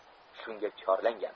shunga chorlangan